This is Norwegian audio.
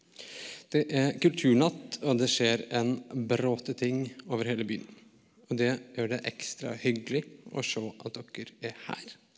det er kulturnatt, og det skjer en bråte ting over hele byen, og det gjør det ekstra hyggelig å se at dere er her.